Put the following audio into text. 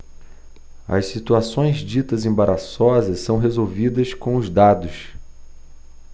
as situações ditas embaraçosas são resolvidas com os dados